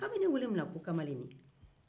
a' bɛ ne weele munna ko kamalennin